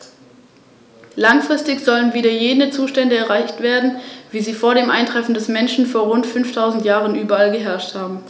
Der Mensch soll hier nur Beobachter auf vorgegebenen Pfaden bleiben, damit sich die eindrückliche alpine Landschaft in ihren eigenen dynamischen Prozessen entwickeln kann.